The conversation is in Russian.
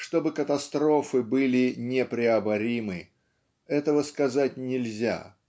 чтобы катастрофы были непреоборимы этого сказать нельзя.